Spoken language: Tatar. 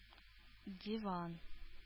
Диван